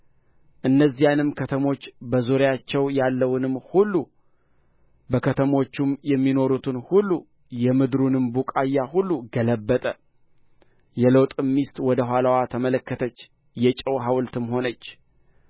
እነዚያንም ከተሞች በዙሪያቸው ያለውንም ሁሉ በከተሞቹም የሚኖሩትን ሁሉ የምድሩንም ቡቃያ ሁሉ ገለበጠ የሎጥም ሚስት ወደ ኋላዋ ተመለከተች የጨው ሐውልትም ሆነች